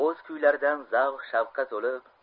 o'z kuylaridan zavq shavqqa to'lib